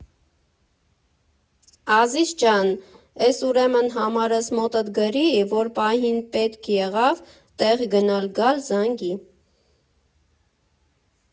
Ազիզ ջան, էս ուրեմն համարս մոտդ գրի, որ պահին պետք եղավ տեղ գնալ֊գալ, զանգի։